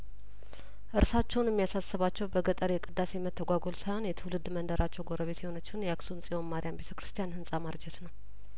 እርሳቸውን እሚ ያሳስባቸው በገጠር የቅዳሴ መተጓጐል ሳይሆን የትውልድ መንደራቸው ጐረቤት የሆነችውን የአክሱም ጽዮን ማርያም ቤተ ክርስቲያን ህንጻ ማርጀት ነው